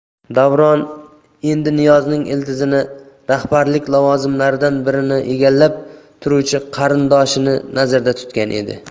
davron endi niyozning ildizini rahbarlik lavozimlaridan birini egallab turuvchi qarindoshini nazarda tutgan edi